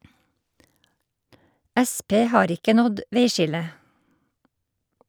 Sp har ikke nådd veiskillet.